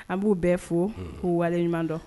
An b'u bɛɛ fo k'u waleɲumandɔ